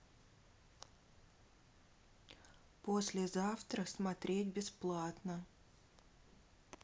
послезавтра смотреть бесплатно